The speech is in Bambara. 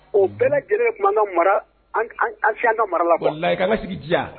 O bɛɛ lajɛlen kuma ka mara an an ka mara la ka sigi diya